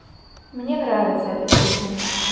мне нравится эта песня